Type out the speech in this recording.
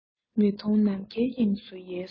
མི མཐོང ནམ མཁའི དབྱིངས སུ ཡལ སོང